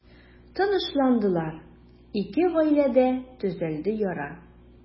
Тынычландылар, ике гаиләдә төзәлде яра.